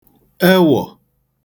ewọ̀